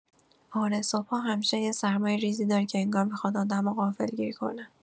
آره، صبحا همیشه یه سرمای ریزی داره که انگار میخواد آدمو غافلگیر کنه.